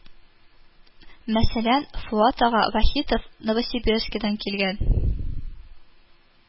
Мәсәлән, Фоат ага Вахитов Новосибирскидан килгән